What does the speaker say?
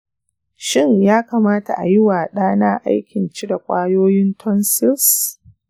shin ya kamata a yi wa ɗana aikin cire ƙwayoyin tonsils ?